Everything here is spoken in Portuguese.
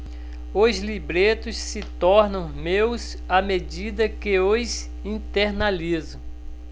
os libretos se tornam meus à medida que os internalizo